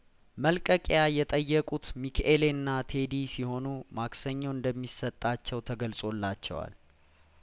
መልቀቂያ የጠየቁት ሚኬኤሌና ቴዲ ሲሆኑ ማክሰኞ እንደሚሰጣቸው ተገልጾላቸዋል